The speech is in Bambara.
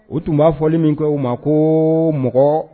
U tun b'a fɔ min kɛ u ma ko mɔgɔ